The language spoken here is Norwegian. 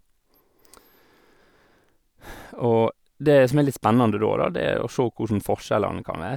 Og det som er litt spennende da, da, det er å sjå kossen forskjellene kan være.